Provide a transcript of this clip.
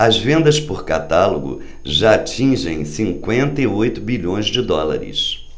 as vendas por catálogo já atingem cinquenta e oito bilhões de dólares